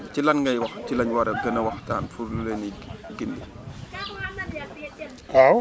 ñu ci lan ngay wax ci lañ war a gën a waxtaan pour lu leen di gindi